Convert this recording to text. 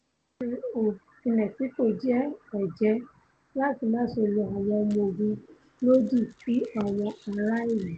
AMLO ti Mẹ́ṣíkò jẹ́ ẹ̀jẹ̵́ láti máṣe lo àwọn ọmọ ogun lòdì sí àwọn ara ìlú.